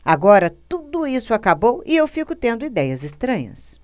agora tudo isso acabou e eu fico tendo idéias estranhas